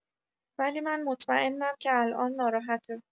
ولی من مطمئنم که الان ناراحته